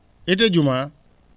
idde jumaa